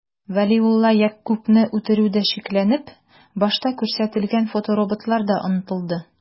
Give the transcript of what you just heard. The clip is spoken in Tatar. Вәлиулла Ягъкубны үтерүдә шикләнеп, башта күрсәтелгән фотороботлар да онытылды...